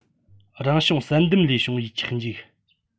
རང བྱུང བསལ འདེམས ལས བྱུང བའི ཆག འཇིག